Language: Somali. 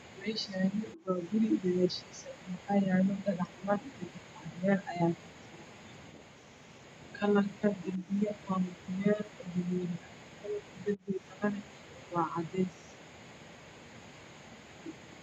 Meeshaan waa guri gadaashiisa waxaa yaalo dhagaxman jajab ah. Leyr ayaa ka ifaayo kalarka darbiga waa mutuleel dameeri ah. Kalarka darbiga kalena waa cadeys.